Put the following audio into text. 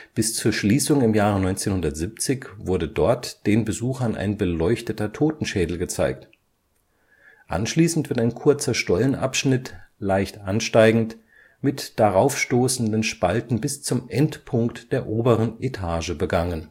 Bis zur Schließung im Jahre 1970 wurde dort den Besuchern ein beleuchteter Totenschädel gezeigt. Anschließend wird ein kurzer Stollenabschnitt, leicht ansteigend, mit daraufstoßenden Spalten bis zum Endpunkt der oberen Etage begangen